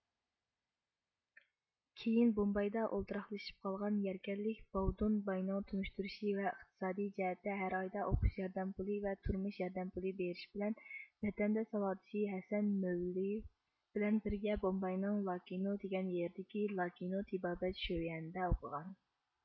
كېيىن بومبايدا ئولتۇراقلىشىپ قالغان يەركەنلىك باۋۇدۇن باينىڭ تونۇشتۇرۇشى ۋە ئىقتىسادىي جەھەتتە ھەر ئايدا ئوقۇش ياردەم پۇلى ۋە تۇرمۇش ياردەم پۇلى بېرىشى بىلەن ۋەتەنداش ساۋاقدىشى ھەسەن مۆۋلىۋى بىلەن بىرگە بومباينىڭ لاكىنو دىگەن يېرىدىكى لاكىنو تېبابەت شۆيۈەنىدە ئوقۇغان